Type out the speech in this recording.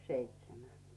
seitsemän